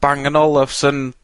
Bang & Olufsen...